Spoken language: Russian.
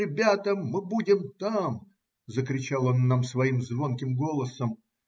"Ребята, мы будем там!" - закричал он нам своим звонким голосом.